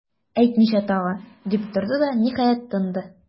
Әйтмичә тагы,- дип торды да, ниһаять, тынды.